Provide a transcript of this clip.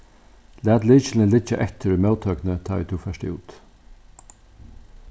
lat lykilin liggja eftir í móttøkuni tá ið tú fert út